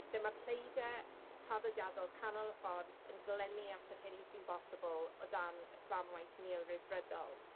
lle ma'r pleide traddodiadol canol y ffordd yn glynu at yr hyn un sy'n bosibl o dyn y fframwaith neo-Ryddfrydol